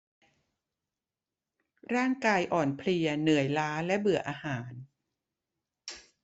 ร่างกายอ่อนเพลียเหนื่อยล้าและเบื่ออาหาร